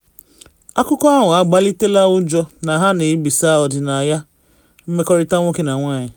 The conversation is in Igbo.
Akụkọ ahụ agbalitela ụjọ na a na ebisa ọdịnaya mmekọrịta nwoke na nwanyị.